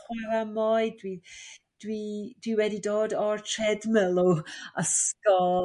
chwara' mwy dwi dwi 'di wedi dod o'r treadmill o ysgol